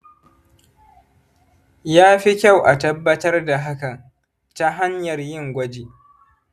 ya fi kyau a tabbatar da hakan ta hanyar yin gwaji.